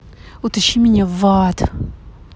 утащи меня в ад